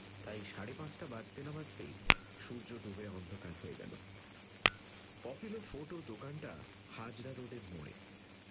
তাই সাড়ে পাঁচটা বাজতে না বাজতেই সূর্য ডুবে অন্ধকার হয়ে এল পপুলার ফোটো দোকানটা হাজরা রোডের মোড়ে